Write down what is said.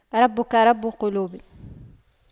ربك رب قلوب